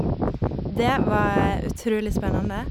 Det var utrolig spennende.